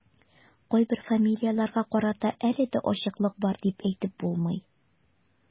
Кайбер фамилияләргә карата әле дә ачыклык бар дип әйтеп булмый.